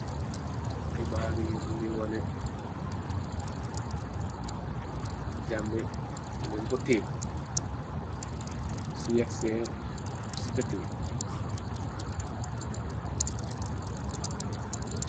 Kibirr yi lu nul waneh Jammeh dinen ko teyeh su xcee si dikabi.